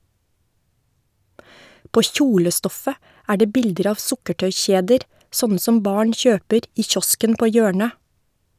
På kjolestoffet er det bilder av sukkertøykjeder, sånne som barn kjøper i kiosken på hjørnet.